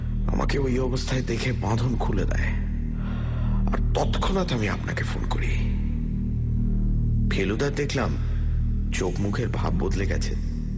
আমাকে ওই অবস্থায় দেখে বাঁধন খুলে দেয় আর তৎক্ষণাৎ আমি আপনাকে ফোন করি ফেলুদার দেখলাম চোখ মুখের ভাব বদলে গেছে